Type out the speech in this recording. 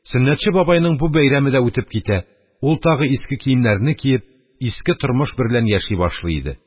Сөннәтче бабайның бу бәйрәме дә үтеп китә, ул тагы иске киемнәрне киеп, иске тормыш берлән яши башлый иде.